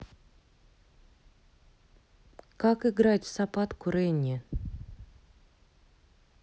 как играть в сопатку ренни